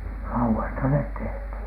laudoista ne tehtiin